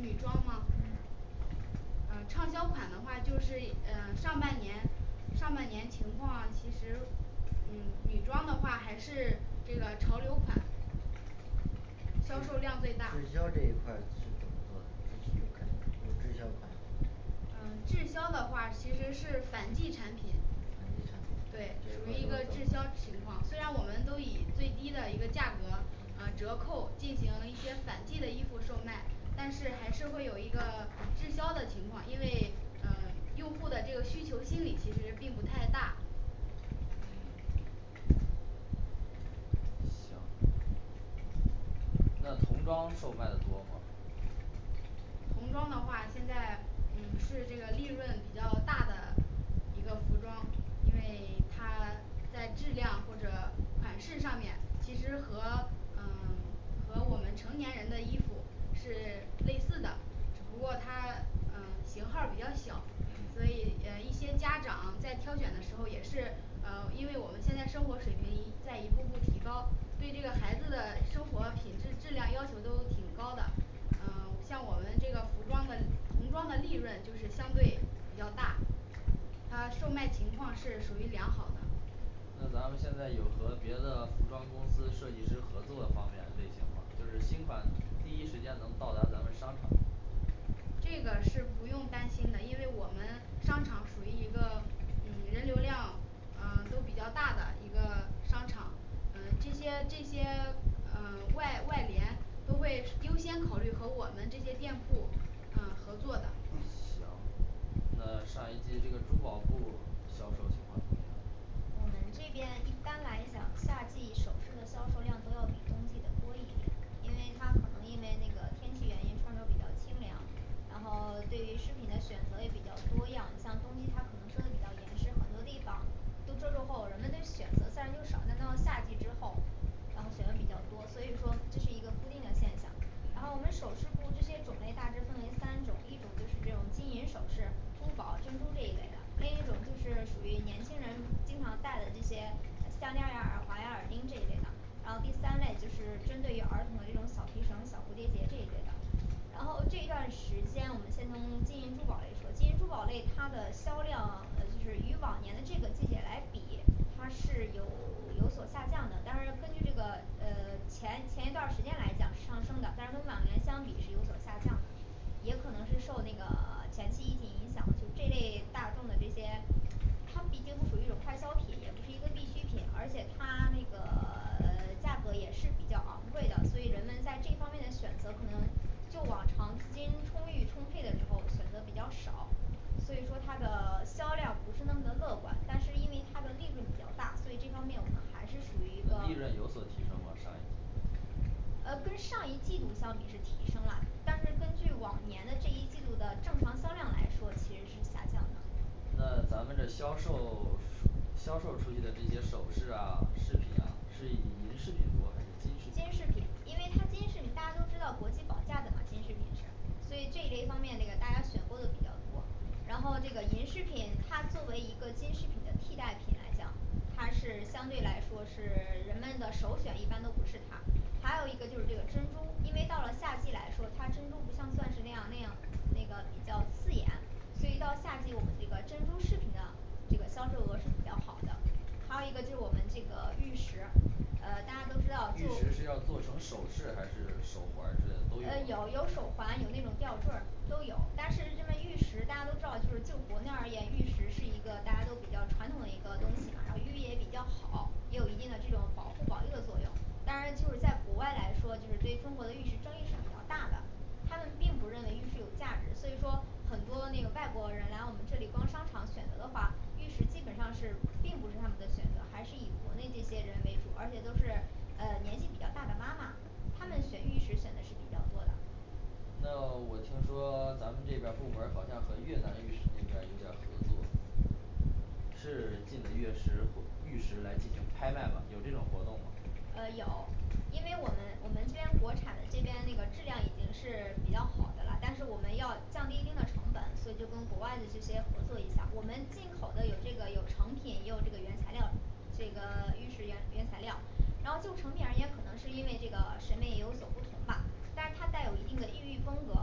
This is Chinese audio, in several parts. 女装吗嗯嗯，畅销款的话就是，嗯，上半年。上半年情况其实。嗯，女装的话，还是 这个潮流款。滞销售量最大滞销这一块儿是怎么做的？滞有看有滞销款的吗。呃，滞销的话其实是反季产品。反对，季属于一个产滞销情品况，虽然我就们都以是最低的一说个价格都嗯折扣进行一些反季的衣服售卖。但是还是会有一个滞销的情况，因为呃，用户的这个需求心理其实并不太大。嗯行那童装售卖的多吗。童装的话现在，嗯，是这个利润比较大的。一个服装，因为 它 在质量或者款式上面，其实和，嗯 和我们成年人的衣服是 类似的。只不过它呃，型号比较小。嗯所以呃一些家长在挑选的时候也是，呃因为我们现在生活水平一在一步步提高。对这个孩子的生活品质，质量要求都挺高的。啊，像我们这个服装的，童装的利润，就是相对比较大。它，售卖情况是属于良好的。那咱们现在有和别的服装公司，设计师合作方面，类型吗，就是新款第一时间能到达咱们商场这个是不用担心的，因为我们商场属于一个，嗯，人流量，呃，都比较大的一个商场。嗯这些这些，呃，外外联，都会优先考虑和我们这些店铺，嗯，合作的。行那上一季这个珠宝部销售情况怎么样我们这边一般来讲夏季首饰的销售量都要比冬季的多一点。因为他可能因为那个天气原因穿着比较清凉，然后 对于饰品的选择也比较多样像冬季他可能遮的比较严实很多地方都遮住后，人们的选择自然就少。但到了夏季之后然后选择比较多，所以说这是一个固定的现象。然嗯后我们首饰部对这些种类大致分为三种，一种就是这种金银首饰，珠宝珍珠这一类的。另一种就是属于年轻人经常戴的这些 项链儿呀，耳环呀，耳钉这一类的。然后第三类就是针对于儿童这种小皮绳儿，小蝴蝶结这一类的。然后这段时间，我们先从金银珠宝类说，金银珠宝类它的销量呃就是与往年的这个季节来比。它是有 有所下降的。但是根据这个，呃 前，前一段儿时间来讲，是上升的，但和往年相比是有所下降的。也可能是受那个 前期疫情影响，就是这类大众的这些。它毕竟不属于一个快消品，也不是一个必需品，而且他那个 呃价格也是比较昂贵的，所以人们在这方面的选择，可能就往常资金充裕充沛的时候选择比较少。所以说它的 销量不是那么的乐观。但是因为它的利润比较大，所以这方面我们还是属于一个利润有所提升吗，上一季嗯跟上一季度相比是提升啦。但是根据往年的这一季度的正常销量来说，其实是下降的。那咱们的销售 销售出去的这些首饰啊，饰品啊，是以银饰品多还是金金饰饰品品。，因为它金饰品，大家都知道国际保价的嘛，金饰品是，所以这一类方面那个大家选购的比较多。然后这个银饰品，它作为一个金饰品的替代品来讲，它是，相对来说是 人们的首选一般都不是它。还有一个就是这个珍珠，因为到了夏季来说，它珍珠不像钻石那样，那样，那个比较刺眼。所以一到嗯夏季我们那个珍珠饰品的，这个，销售额是比较好的。还有一个就是我们这个玉石。呃，大家都知道玉就石是要做成首饰还是手环儿之类的都呃有有，有有吗手环，有那种吊坠儿，都有。但是这个玉石，大家都知道就是就国内而言，玉石是一个大家都比较传统的一个东西嘛，然后寓意也比较好也有一定的这种保护，保卫的作用。但是就是在国外来说，就是对中国的玉石争议是比较大的。他们并不认为玉石有价值，所以说很多那个外国人，来我们这里逛商场选择的话，玉石基本上是并不是他们的选择。还是以国内这些人为主，而且都是呃，年纪比较大的妈妈。他们选嗯玉石选的是比较多的那 我听说咱们这边儿部门儿好像和越南玉石那边儿有点儿合作。是进的月石或玉石来进行拍卖吗，有这种活动吗。呃，有因为我们，我们这边，国产的这边那个质量已经是比较好的啦。但是我们要降低一定的成本，所以就跟国外的这些合作一下，我们进口的有这个，有成品也有这个原材料。这个 玉石原原材料。然后就成品而言，也可能是因为这个审美也有所不同吧。但是它带有一定的异域风格。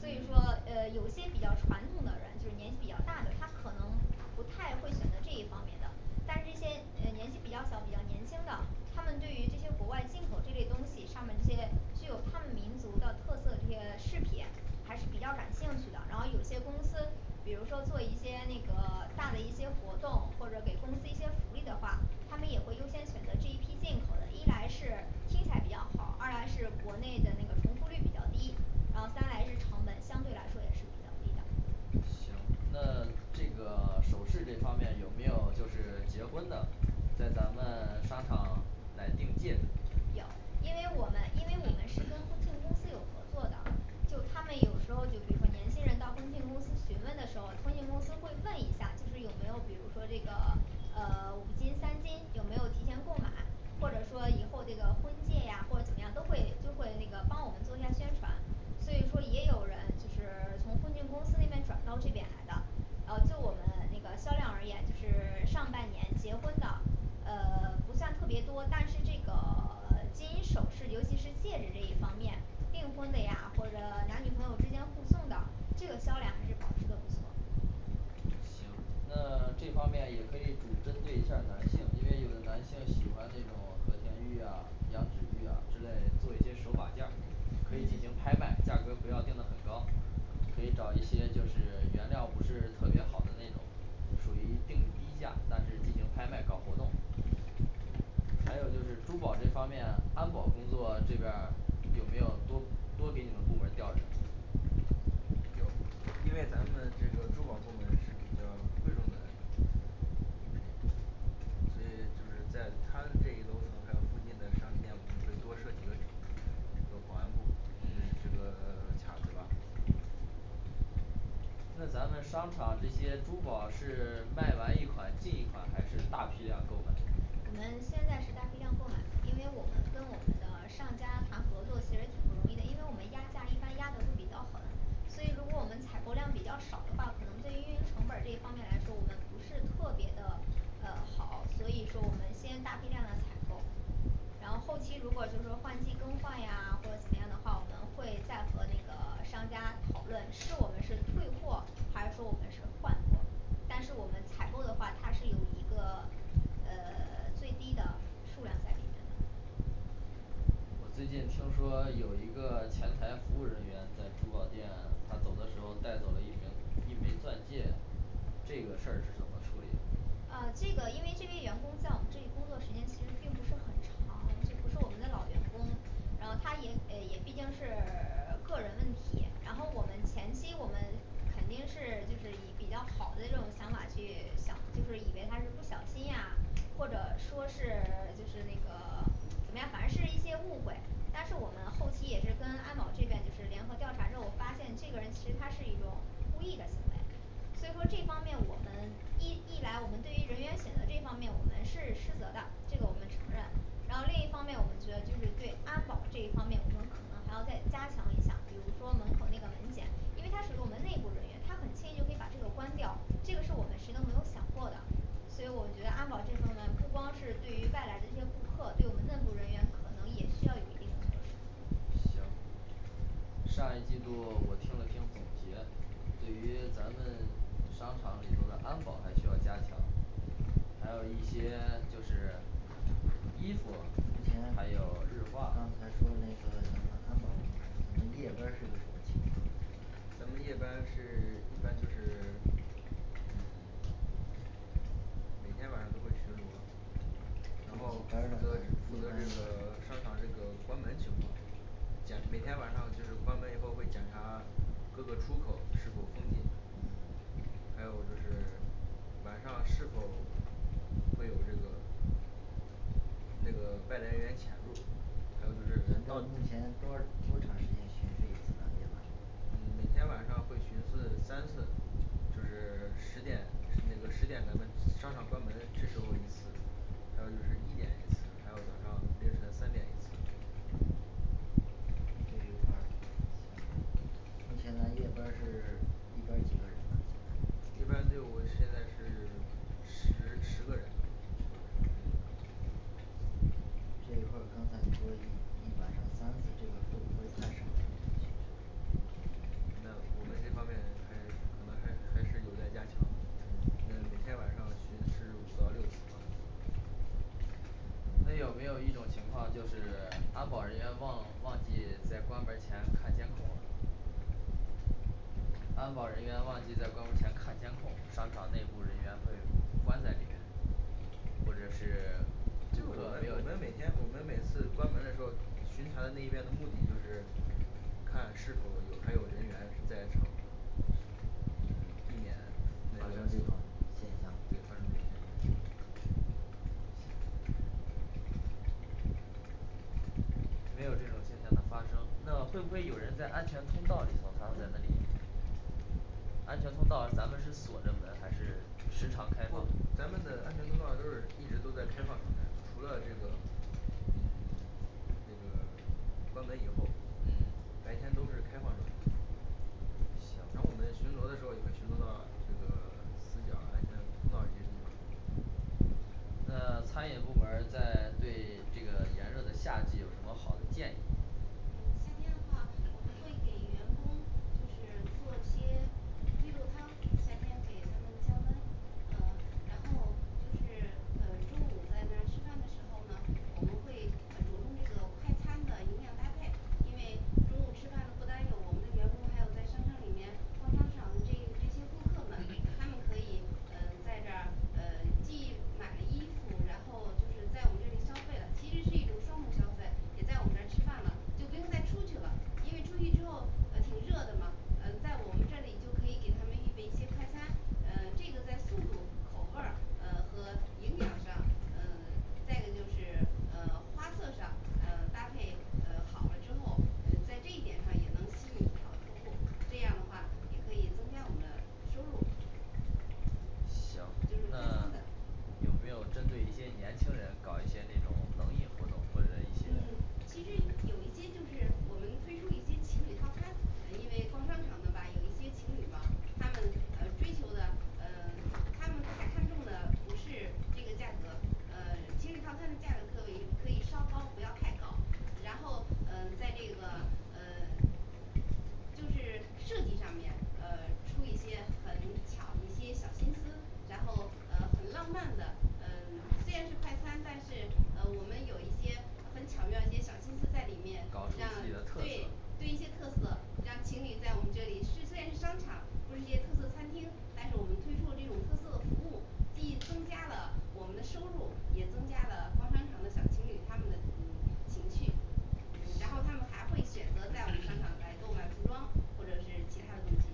所以说嗯，呃，有些比较传统的人，就是年纪比较大的，他可能不太会选择这一方面的。但是这些呃年纪比较小，比较年轻的，他们对于这些国外进口这类东西，上面这些具有他们民族的特色这些饰品。还是比较感兴趣的，然后有些公司比如说做一些那个 大的一些活动。或者给公司一些福利的话他们也会优先选择这一批进口的。一来是七彩比较好，二来是国内的那个重复率比较低。然后三来是成本相对来说也是比较低的。行那这个 首饰这方面有没有就是结婚的，在咱们 商场来订戒指。有，因为我们，因为我们是跟婚庆公司有合作的。就，他们有时候就比如说年轻人到婚庆公司询问的时候。婚庆公司会问一下，就是有没有比如说这个 呃 五金三金有没有提前购买。或者说以后这个婚戒呀，或怎么样，都会，就会那个帮我们做一下宣传。所以说也有人，就是 从婚庆公司那边转到这边来的。呃就我们那个销量而言，就是 上半年结婚的，呃 不算特别多但是这个 金银首饰，尤其是戒指这一方面。订婚的呀，或者男女朋友之间互送的这个销量还是保持的不错。行。那 这方面也可以主针对一下儿男性，因为有的男性喜欢那种和田玉呀，羊脂玉呀，之类做一些手把件儿。可以进嗯行拍卖，价格不要定的很高。可以找一些，就是 原料不是特别好的那种。属于定低价，但是进行拍卖搞活动。还有就是珠宝这方面，安保工作这边儿，有没有多，多给你们部门儿调人有，因为咱们这个珠宝部门是比较贵重的。物品所以就是在他这一楼层，还有附近的商店，我们会多设几个个保安部。嗯这个 卡子吧。那咱们商场这些珠宝是卖完一款进一款，还是大批量购买。我们现在是大批量购买的因为我们跟我们的上家谈合作其实也挺不容易的。因为我们压价一般压得会比较狠，所以如果我们采购量比较少的话，可能就因为成本儿这一方面来说我们不是特别的，呃，好。所以说我们先大批量的采购。然后后期如果就是说换季更换呀，或者怎么样的话，我们会再和那个 商家讨论是我们是退货，还是说我们是换货。但是我们采购的话，他是有一个呃 最低的数量在里面的。我最近听说 有一个前台服务人员，在珠宝店，他走的时候带走了一名，一枚钻戒，这个事儿是怎么处理的。啊，这个因为这位员工在我们这里工作时间其实并不是很长。就不是我们的老员工，然后他也，呃也毕竟是 个人问题。然后我们，前期我们肯定是，就是以比较好的这种想法去想，就是以为他是不小心呀。或者说是， 就是那个 怎么样，反正是一些误会。但是我们后期也是跟安保这边，就是联合调查之后发现，这个人其实他是一种故意的行为。所以说这方面我们，一，一来我们对于人员选择这一方面我们是失责的，这个我们承认。然后另一方面我们觉得就是对安保这一方面我们可能还要再加强一下比如说门口那个门检，因为他属于我们内部人员，他很轻易的就可以把这个关掉。这个是我们谁都没有想过的。所以我觉得安保这方面不光是对于外来的一些顾客，对我们内部人员可能也需要有一定的措施行上一季度 我听了听总结。对于咱们商场里头的安保还需要加强。还有一些 就是 衣服目前刚还有日化。才说那个咱们安保部门儿咱们的夜班儿是个什么情况咱们的夜班是 一般就是 嗯每天晚上都会巡逻。然后负责这这个 商场这个关门情况。检，每天晚上就是关门以后会检查各个出口是否封禁嗯还有就是 晚上是否会有这个，那个外来人员潜入。还咱有就是这到目前多，多长时间巡视一次啊夜晚嗯每天晚上会巡视三次。就是 十点那个十点咱们商场关门，这时候一次。还有就是一点一次还有早上，凌晨三点一次。这一块儿目前咱夜班儿是 一班儿几个人那现在夜班队伍现在是 十，十个人。这一块儿刚才你说一一晚上三次这个会不会太少了这个巡视嗯那我们这方面还可能还还是有待加强。那每天晚上巡视五到六次吧。那有没有一种情况就是 安保人员忘，忘记在关门儿前看监控了安保人员忘记在关门儿前看监控，商场内部人员会关在里面或者是 这个顾我们客没有我们每天，我们每次关门的时候巡查那一遍的目的就是看是否有，还有人员在场。嗯，避免对发发生生这这种种现现象象没有这种现象的发生，那会不会有人在安全通道里头那还在那里。安全通道咱们是锁着门还是时不常开放咱们的安全通道都是，一直都在开放状态。除了这个嗯 这个 关门以后。嗯。白天都是开放状态。行然后我们巡逻的时候也会巡逻到这个死角儿，安全通道这些地方。那餐饮部门儿在对这个炎热的夏季有什么好的建议。嗯夏天的话，我们会给员工就是，做些绿豆汤，夏天给他们降温。呃，然后就是嗯中午在那儿吃饭的时候呢，我们会呃着重这个快餐的营养搭配。因为中午吃饭的不单是我们的员工，还有在商场里面逛商场的这这些顾客们。他们可以呃，在这儿呃，既买了衣服，然后就是在我们这里消费了，其实是一种双重消费。也在我们这儿吃饭了，就不用再出去了。因为出去之后啊，呃挺热的嘛。嗯在我们这里就可以给他们预备一些快餐呃，这个在速度，口味儿呃，呃和营& &养上。呃 再一个就是呃花色上，呃搭配呃好了之后，嗯在这一点上也能吸引不少的客户这样的话也可以增加我们的收入。行就是，快那餐的 有没有针对一些年轻人，搞一些那种冷饮活动，或者一些。嗯其实有一些就是我们推出一些情侣套餐。呃因为逛商场的吧有一些情侣嘛。他们呃，追求的呃 他他们太看中的不是这个价格。呃，情侣套餐的价格可以稍高不要太高，然后呃，在这个呃。就是设计上面，呃，出一些很巧的一些小心思，然后呃很浪漫的。嗯，虽然是快餐，但是呃我们有一些，很巧妙一些小心思在里面。搞出像自己的，特对。色。对一些特色，让情侣在我们这里是虽然商场不是一些特色餐厅。但是我们推出的这种特色的服务。既增加了我们的收入，也增加了逛商场的小情侣他们的，嗯，情趣。嗯然后他们行还会选择在我们商场来购买服装。或者是其他的东西。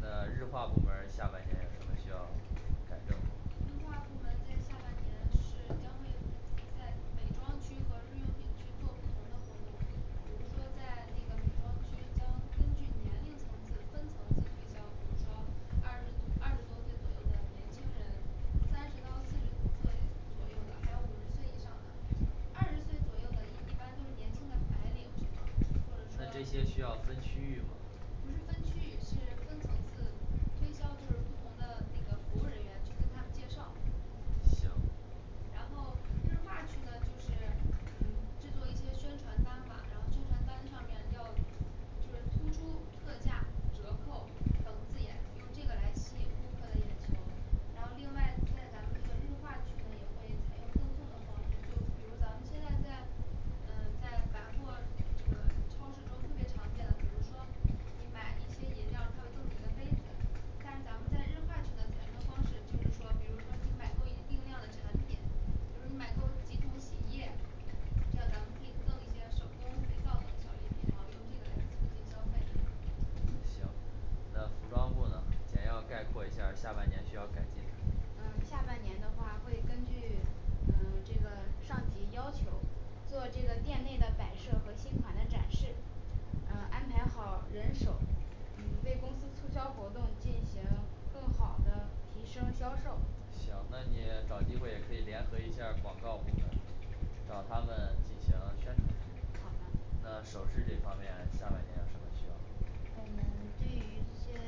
那日化部门儿下半年有什么需要改正。日化部门在下半年是将会在美妆区和日用品区不同的活动。比如说在那个美妆区将根据年龄层次分层次介绍。比如说二十，二十多岁左右的年轻人。三十到四十五岁左右的，还有五十岁以上的。二十岁左右的一一般都是年轻的白领或那这者说。些需要分区域吗。不是分区域，是分层次。推销就是不同的那个服务人员去跟他们介绍。行。然后日化区呢，就是嗯，制作一些宣传单嘛，然后宣传单上面要，就是突出特价。折扣等字眼，用这个来吸引顾客的眼球。然后另外在咱们这个日化区呢也会采用赠送的方式就比如咱们现在在嗯在百货这个超市中特别常见的。比如说你买一些饮料他会赠你个杯子。但是咱们在日化品的采用的方式就是说比如说你买够一定量的产品。就是你买够几桶洗衣液。这样咱咱们可以赠一些手工肥皂等小礼品然后用这个来促进消费。行。那服装部呢。简要概括一下儿下半年需要改进的。嗯下半年的话会根据，嗯，这个上级要求。做这个店内的摆设，和新款的展示。嗯。安排好人手。嗯，为公司促销活动进行更好的提升销售。行，那你找机会可以联合一下儿广告部门，找他们进行宣传。好的。那首饰这方面下半年有什么需要我们对于这些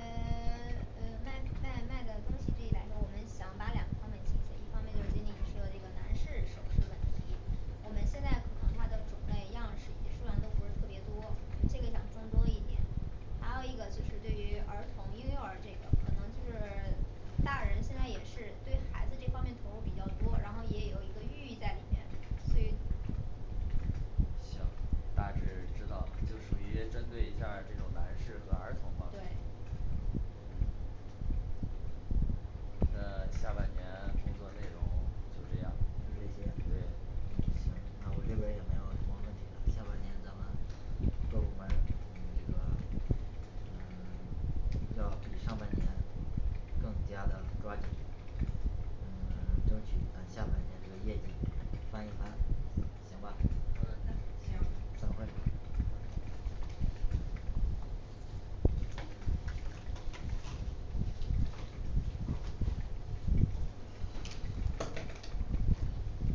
呃，卖卖卖的东西具体来说我们想把两个倾斜一方面就是经理你说的这个男士首饰问题。我们现在嗯可能它的种类样式以及数量都不是特别多。我们这个想增多一点。还有一个就是对于儿童，婴幼儿这个，可能就是 大人现在也是对孩子这方面投入比较多，然后也有一个寓意在里面，所以。行，大致知道了，就属于针对一下儿这种男士和儿童方面对。那下半年工作内容就这样就，这些。对。嗯，行，那我这边儿也没有什么问题了。下半年咱们各部门儿，咱们这个嗯 要比上半年更加的抓紧。嗯 争取咱下半年这个业绩翻一番行吧，好好的的加行油散会儿。